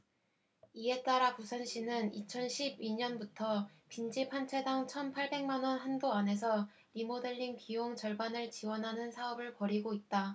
이에 따라 부산시는 이천 십 이 년부터 빈집 한 채당 천 팔백 만원 한도 안에서 리모델링 비용 절반을 지원하는 사업을 벌이고 있다